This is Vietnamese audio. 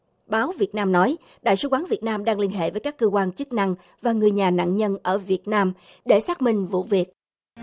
báo việt nam nói đại sứ quán việt nam đang liên hệ với các cơ quan chức năng và người nhà nạn nhân ở việt nam để xác minh vụ việc